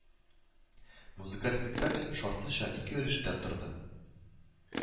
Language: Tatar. Музыкаль спектакль шартлыча ике өлештән торды